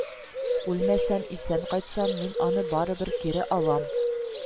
Үлмәсәм, исән кайтсам, мин аны барыбер кире алам